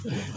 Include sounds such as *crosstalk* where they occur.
*hesitation* *hesitation*